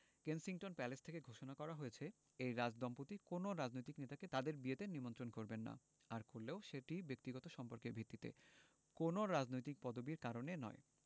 Kensington Palace থেকে ঘোষণা করা হয়েছে এই রাজদম্পতি কোনো রাজনৈতিক নেতাকে তাঁদের বিয়েতে নিমন্ত্রণ করবেন না আর করলেও সেটি ব্যক্তিগত সম্পর্কের ভিত্তিতে কোনো রাজনৈতিক পদবির কারণে নয়